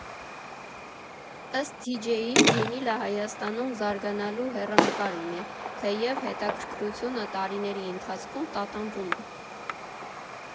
Ըստ դիջեյի՝ վինիլը Հայաստանում զարգանալու հեռանկար ունի, թեև հետաքրքրությունը տարիների ընթացքում տատանվում է։